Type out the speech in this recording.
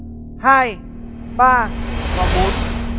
hai ba